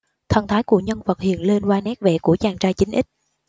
thần thái của nhân vật hiện lên qua nét vẽ của chàng trai chín x